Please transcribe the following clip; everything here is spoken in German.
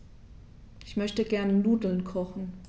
Ich möchte gerne Nudeln kochen.